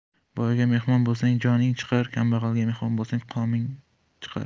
boyga mehmon bo'lsang joning chiqar kambag'alga mehmon bo'lsang qoming chiqar